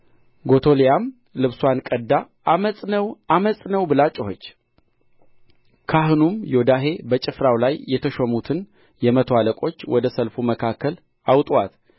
ጎቶሊያም ልብስዋን ቀድዳ ዓመፅ ነው ዓመፅ ነው ብላ ጮኸች ካህኑም ዮዳሄ በጭፍራው ላይ የተሾሙትን የመቶ አለቆች ወደ ሰልፉ መካከል አውጡአት